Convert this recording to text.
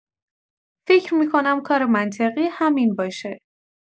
فکر می‌کنم کار منطقی همین باشه